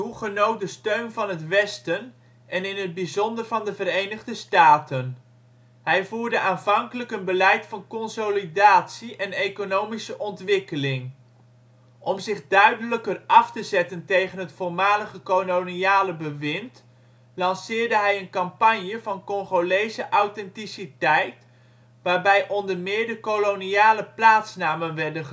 genoot de steun van het westen, en in het bijzonder van de Verenigde Staten. Hij voerde aanvankelijk een beleid van consolidatie en economische ontwikkeling (Inga-stuwdam). Om zich duidelijker af te zetten tegen het voormalige koloniale bewind, lanceerde hij een campagne van Congolese ' authenticiteit ', waarbij onder meer de koloniale plaatsnamen werden